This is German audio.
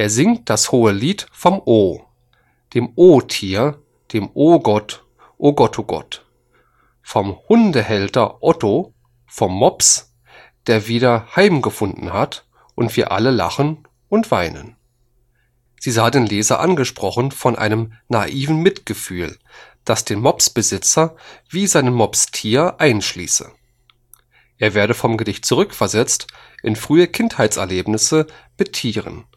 singt das hohe Lied vom O, vom O-Tier, vom O-Gott, ogottogott, vom Hundehälter Otto, vom Mops, der wieder heimgefunden hat, und wir alle lachen und weinen “. Sie sah den Leser angesprochen von einem naiven Mitgefühl, das den Mopsbesitzer wie sein Mopstier einschließe. Er werde vom Gedicht zurückversetzt in frühe Kindheitserlebnisse mit Tieren